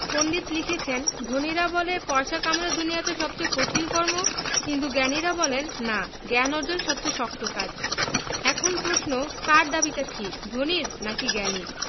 পণ্ডিত লিখেছেন ধনীরা বলে পয়সা কামানো দুনিয়াতে সবচেয়ে কঠিন কর্ম কিন্তু জ্ঞানীরা বলেন না জ্ঞানার্জন সবচেয়ে শক্ত কাজ এখন প্রশ্ন কার দাবিটা ঠিক ধনীর নাকি জ্ঞানীর